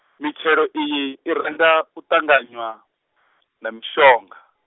mitshelo iyi, i ranga, u ṱanganywa, na mishonga.